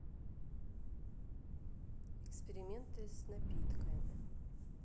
эксперименты с напитками